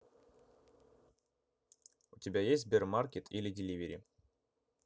у тебя есть сбермаркет или delivery